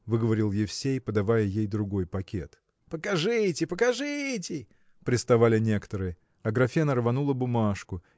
– выговорил Евсей, подавая ей другой пакет. – Покажите, покажите! – пристали некоторые. Аграфена рванула бумажку